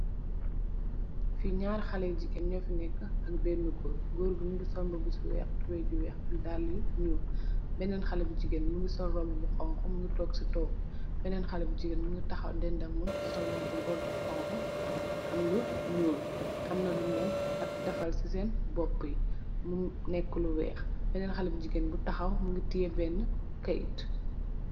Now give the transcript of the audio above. nyarri haleh yuu jigeen ak benna goor yuu sol yehreh teh tiyeah kayeeh.